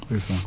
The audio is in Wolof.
ndeysaan